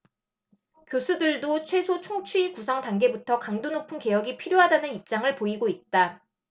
교수들도 최소 총추위 구성 단계부터 강도 높은 개혁이 필요하다는 입장을 보이고 있다